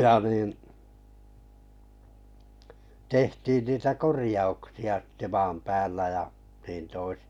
ja niin tehtiin niitä korjauksia sitten maan päällä ja niin toisin